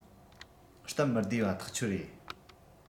སྟབས མི བདེ བ ཐག ཆོད རེད